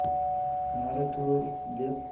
nari tur deb